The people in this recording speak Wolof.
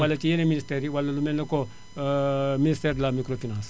wala ci yeneen ministères yi wala lu mel ni que ministère de la la microfinance